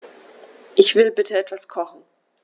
Ich will bitte etwas kochen.